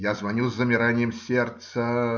Я звоню с замиранием сердца:.